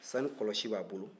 sanu kɔlɔsi b'a bolo